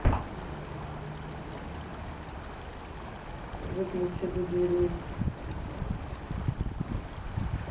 выключи будильник